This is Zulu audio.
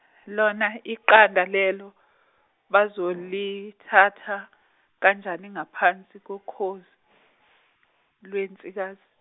lona iqanda lelo bazolithatha kanjani ngaphansi kokhozi, lwensikazi.